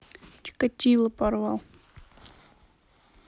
чикатило порвал